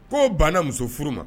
K ko banna muso furu ma